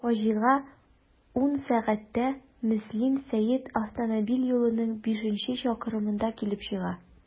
Фаҗига 10.00 сәгатьтә Мөслим–Сәет автомобиль юлының бишенче чакрымында килеп чыга.